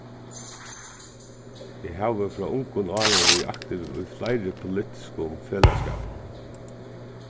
eg havi frá ungum árum verið aktiv í fleiri politiskum felagsskapum